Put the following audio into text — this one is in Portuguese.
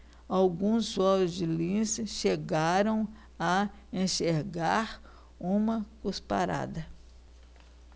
alguns olhos de lince chegaram a enxergar uma cusparada